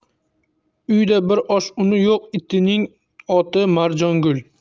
uyida bir osh uni yo'q itining oti marjongul